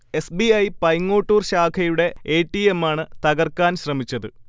S. B. I. Paingottoor ശാഖയുടെ A. T. എമ്മാണ് തകർക്കാൻ ശ്രമിച്ചത്